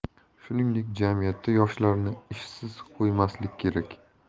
shuningdek jamiyatda yoshlarni ishsiz qo'ymaslik kerak